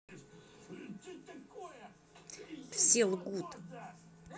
все лгут